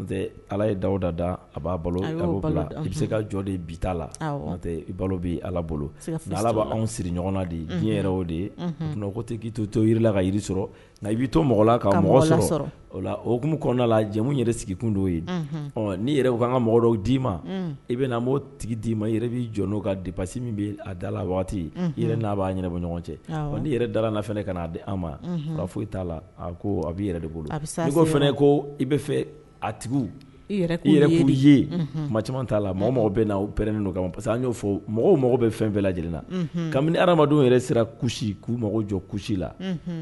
Ala ye dawuda da a b'a i bɛ se ka jɔ la i balo bɛ ala bolo ala b' anw siri ɲɔgɔn de ye de ye k'i to tola ka sɔrɔ i to la oumu kɔnɔna la jamumu sigikundo ye ni yɛrɛ an ka mɔgɔ' ma i bɛ tigi d'i ma yɛrɛ b'i jɔ ka di basi min bɛ a dala la waati n'a b'a yɛrɛ bɔ ɲɔgɔn cɛ ni yɛrɛ da ka'a di an ma b'a fɔ i t'a la ko a b'i yɛrɛ de bolo fana ko i bɛ fɛ a tigi i yɛrɛ ye kuma caman t'a la mɔgɔ bɛ n'ɛ kama parce que an y'o fɔ mɔgɔw mɔgɔw bɛ fɛn bɛɛ lajɛlen na kabini adamadenw yɛrɛ sera k'u mɔgɔw jɔ kusi la